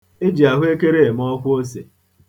E ji ahụekere eme ọkwoose.